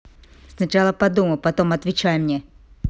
сначала подумай потом отвечай мне